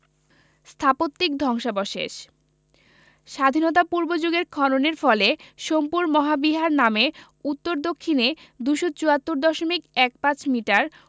স্থাপত্যিক ধ্বংসাবশেষ: স্বাধীনতা পূর্ব যুগের খননের ফলে সোমপুর মহাবিহার নামে উত্তর দক্ষিণে ২৭৪ দশমিক এক পাঁচ মিটার